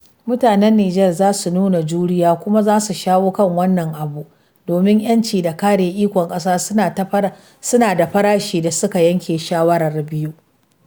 Mutanen Nijar za su nuna juriya, kuma za su shawo kan wannan abu, domin ƴanci da kare ikon ƙasa, suna da farashi da suka yanke shawarar biya.